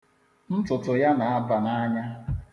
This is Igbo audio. Ntụtụ ya na-aba n'anya.